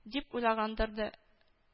Дип уйлаганнардыр да